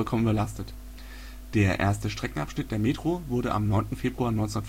überlastet. Der erste Streckenabschnitt der Metro wurde am 9. Februar 1955